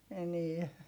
enää